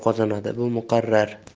g'alaba qozonadi bu muqarrar